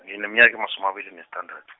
ngineminyaka emasumi, amabili nesithandathu.